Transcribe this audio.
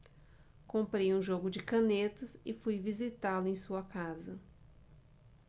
comprei um jogo de canetas e fui visitá-lo em sua casa